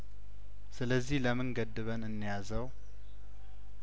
ስለዚህ ለምን ገድበን እንያዘው